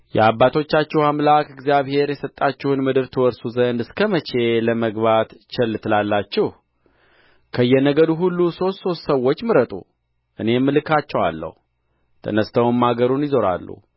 የአባቶቻችሁ አምላክ እግዚአብሔር የሰጣችሁን ምድር ትወርሱ ዘንድ እስከ መቼ ለመግባት ቸል ትላላችሁ ከየነገዱ ሁሉ ሦስት ሦስት ሰዎች ምረጡ እኔም እልካቸዋለሁ ተነሥተውም አገሩን ይዞራሉ